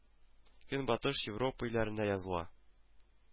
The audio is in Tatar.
Көнбатыш Европа илләрендә языла